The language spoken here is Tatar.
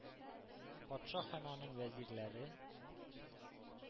Патша һәм аның вәзирләре,